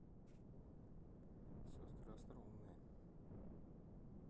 сестры остроумные